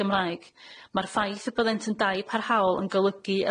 Gymraeg ma'r ffaith y byddent yn dai parhaol yn golygu